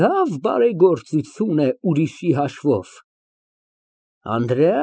Լավ բարեգործություն է, ուրիշի հաշվով։